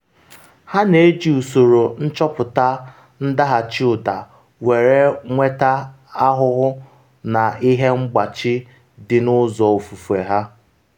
Ha na-eji usoro nchọpụta ndaghachi ụda were nweta ahụhụ na ihe mgbachi dị n’ụzọ ofufe ha.